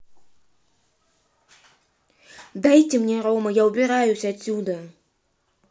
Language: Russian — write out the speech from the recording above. дайте мне roma я убираюсь отсюда